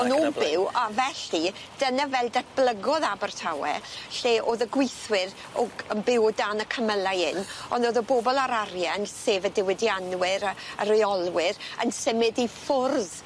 nw'n byw a felly dyna fel datblygodd Abertawe lle o'dd y gweithwyr o g- yn byw o dan y cymylau 'yn on' o'dd y bobol â'r arian sef y diwydianwyr a y reolwyr yn symud i ffwrdd.